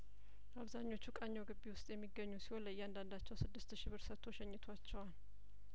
አብዛኞቹ ቃኘው ግቢ ውስጥ የሚገኙ ሲሆን ለእያንዳንዳቸው ስድስት ሺ ብር ሰጥቶ ሸኝቷቸዋል